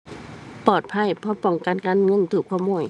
ปลอดภัย เพราะป้องกันการเงินถูกขโมย